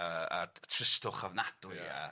Y a tristwch ofnadwy... Ia...